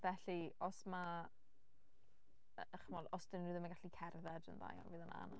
Felly os ma'... chimod, os 'dyn nhw ddim yn gallu cerdded yn dda iawn, fydd o'n anodd.